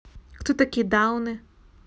кто такие дауны